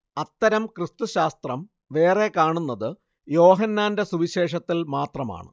അത്തരം ക്രിസ്തുശാസ്ത്രം വേറെ കാണുന്നത് യോഹന്നാന്റെ സുവിശേഷത്തിൽ മാത്രമാണ്